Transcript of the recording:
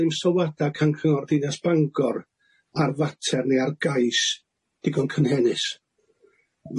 ddim sylwada' can cyngor ddinas Bangor ar fater neu ar gais digon cynhennus.